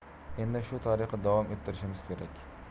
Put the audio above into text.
endi shu tariqa davom ettirishimiz kerak